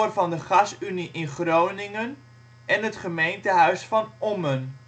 van de Gasunie in Groningen en het gemeentehuis van Ommen